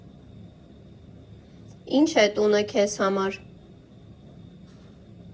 Ի՞նչ է տունը քեզ համար։